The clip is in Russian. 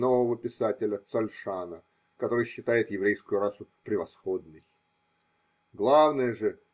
и нового писателя Цольшана, который считает еврейскую расу превосходной. Главное же.